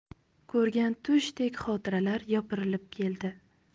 ko'rgan tushdek xotiralar yopirilib keldi